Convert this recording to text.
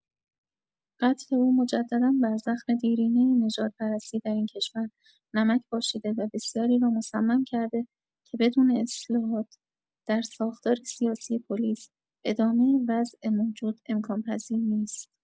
قتل او مجددا بر زخم دیرینه نژادپرستی در این کشور نمک پاشیده و بسیاری را مصمم کرده که بدون اصلاحات در ساختار سیاسی پلیس، ادامه وضع موجود امکان‌پذیر نیست.